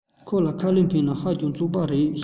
ཁོ ལ ཁ ལུད འཕེན ན ཧ ཅང རྩོག པ རེད ཅེས བཤད